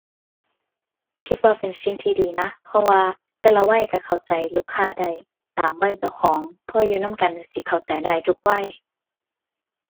คิดว่าเป็นสิ่งที่ดีนะ เพราะว่าแต่ละวัยก็เข้าใจลูกค้าได้ตามวัยเจ้าของ พออยู่นำกันน่าสิเข้าใจได้ทุกวัย ⁠